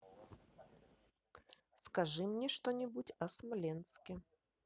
скажи мне что нибудь о смоленске